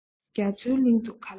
རྒྱ མཚོའི གླིང དུ ག ལ བྲིན